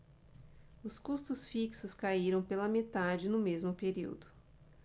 os custos fixos caíram pela metade no mesmo período